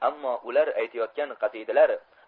ammo ular aytayotgan qasidalar